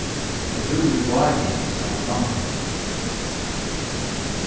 eg búði í vági saman við mammu míni